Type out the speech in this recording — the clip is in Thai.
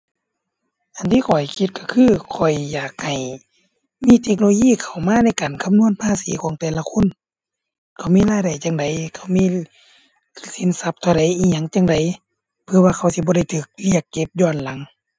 อันที่ข้อยคิดก็คือข้อยอยากให้มีเทคโนโลยีเข้ามาในการคำนวณภาษีของแต่ละคน เขามีรายได้จั่งใด เขามีสินทรัพย์เท่าใด อิหยังจั่งใด เพื่อว่าเขาสิบ่ได้ก็เรียกเก็บย้อนหลัง